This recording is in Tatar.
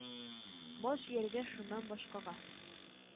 Баш ияргә шуннан башкага!